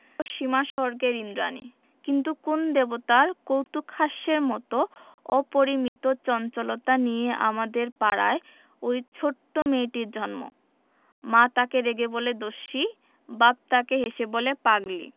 সীমাস্বর্গের ঈন্দ্রাণী কিন্তু কোন দেবতার কৌতূকহাস্যের মত অপরিমিত চঞ্চলতা নিয়ে আমাদের পাড়ায় ঐ ছোট্ট মেয়েটির জন্ম মা তাকে রেগে বলে দস্যি বাপ তাকে হেসে বলে পাগলি